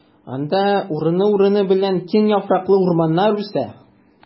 Анда урыны-урыны белән киң яфраклы урманнар үсә.